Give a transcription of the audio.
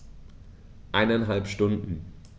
Eineinhalb Stunden